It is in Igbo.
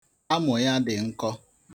Amụ ya dị nkọ.